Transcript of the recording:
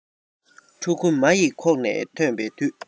ཕྲུ གུ མ ཡི ཁོག ནས ཐོན པའི དུས